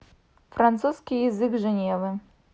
французский язык женевы